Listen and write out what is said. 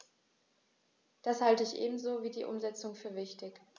Das halte ich ebenso wie die Umsetzung für wichtig.